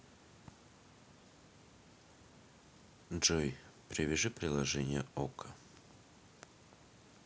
джой привяжи приложение okko